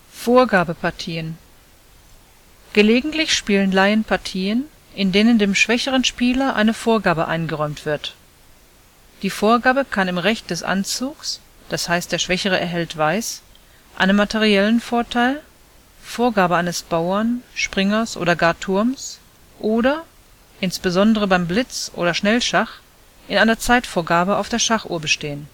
Vorgabepartien: Gelegentlich spielen Laien Partien, in denen dem schwächeren Spieler eine Vorgabe eingeräumt wird. Die Vorgabe kann im Recht des Anzugs (d. h. der Schwächere erhält Weiß), einem materiellen Vorteil (Vorgabe eines Bauern, Springers oder gar Turms) oder – insbesondere beim Blitz – oder Schnellschach – in einer Zeitvorgabe auf der Schachuhr bestehen